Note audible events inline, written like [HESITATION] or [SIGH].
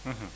[HESITATION] [HESITATION]